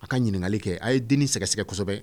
A ka ɲininkakali kɛ, a ye dennin sɛgɛsɛgɛ kɔsɛbɛ.